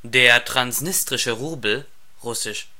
Der Transnistrische Rubel (russisch